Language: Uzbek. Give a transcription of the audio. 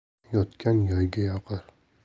yotgan yovga yoqar